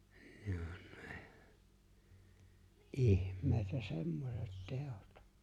ne on ne ihmeitä semmoiset teot